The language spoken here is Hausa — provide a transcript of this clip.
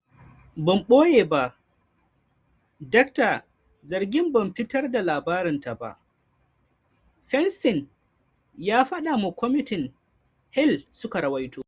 “Ban boye ba Dr. Zargin, ban fitar da labarinta ba,” Feinstein ya fada ma kwamitin, Hill suka ruwaito.